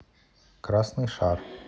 красный шар